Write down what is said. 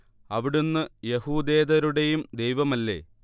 അവിടുന്ന് യഹൂദേതരരുടേയും ദൈവമല്ലേ